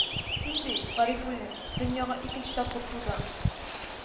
Син, ди, гарифуллин, дөньяга икенче тапкыр тудың